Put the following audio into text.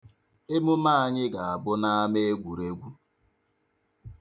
Emumu anyị ga-abụ n'ama egwuregwu anyị.